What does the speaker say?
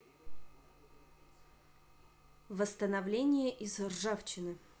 восстановление из ржавчины